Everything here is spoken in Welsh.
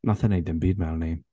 Wnaeth e wneud dim byd, Melanie.